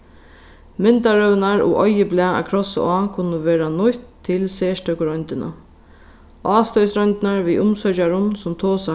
og oyðublað at krossa á kunnu verða nýtt til serstøku royndina ástøðisroyndirnar við umsøkjarum sum tosa